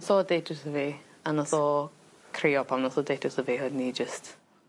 'Th o deud wrtho fi a nath o crio pan nath o deud wrtho fi a oedd ni jyst